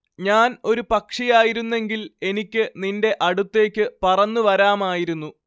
ഞാൻ ഒരു പക്ഷിയായിരുന്നെങ്കിൽ എനിക്ക് നിന്റെ അടുത്തേക്ക് പറന്നു വരാമായിരുന്നു